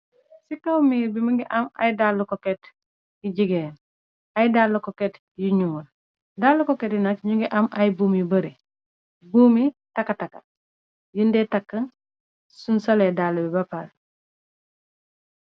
Si kaw miir bi më ngi am ay dalle koket yi jigeen, ay dalle koket yu ñuul, dalle koket yi nak ñu ngi am ay buum yu bare, buumi taka-taka, yundee takk suñ solee dalle bi bapaar.